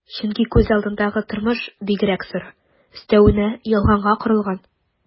Чөнки күз алдындагы тормыш бигрәк соры, өстәвенә ялганга корылган...